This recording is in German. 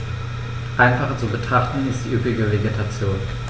Einfacher zu betrachten ist die üppige Vegetation.